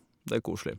Det er koselig.